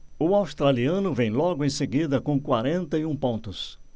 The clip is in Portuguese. o australiano vem logo em seguida com quarenta e um pontos